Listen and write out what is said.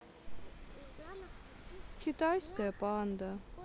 китайская панда